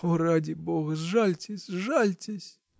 О, ради бога, сжальтесь, сжальтесь!.